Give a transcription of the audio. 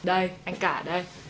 đây anh cả đây